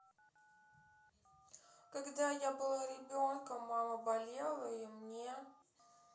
когда я была ребенком мама болела и мне